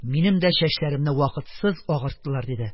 Минем дә чәчләремне вакытсыз агарттылар... -диде.